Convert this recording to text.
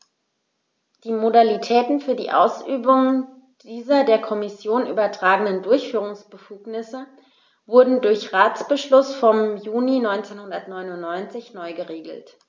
Die Modalitäten für die Ausübung dieser der Kommission übertragenen Durchführungsbefugnisse wurden durch Ratsbeschluss vom Juni 1999 neu geregelt.